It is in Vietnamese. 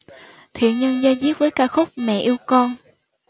thiện nhân da diết với ca khúc mẹ yêu con